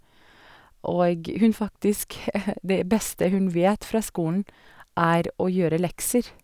Og hun faktisk det beste hun vet fra skolen, er å gjøre lekser.